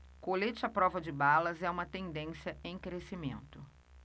colete à prova de balas é uma tendência em crescimento